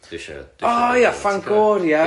O ia Fangoria!